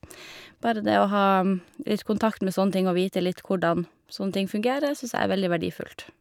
Bare det å ha litt kontakt med sånne ting og vite hvordan sånne ting fungerer, syns jeg er veldig verdifullt.